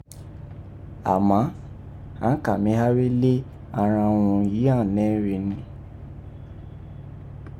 Amán, a kan mí háré lé àghan urun yìí gha nèní rin.